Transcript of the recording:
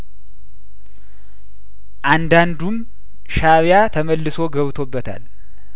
አዳን ዱም ሻእብያ ተመልሶ ገብቶ በታል